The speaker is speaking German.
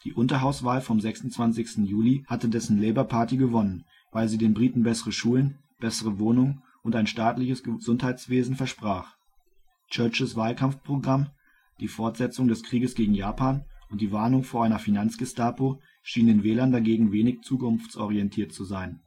Unterhauswahl vom 26. Juli hatte dessen Labour Party gewonnen, weil sie den Briten bessere Schulen, bessere Wohnungen und ein staatliches Gesundheitswesen versprach. Churchills Wahlkampfprogramm - die Fortsetzung des Krieges gegen Japan und die Warnung vor einer Finanz -" Gestapo "- schien den Wählern dagegen wenig zukunftsorientiert zu sein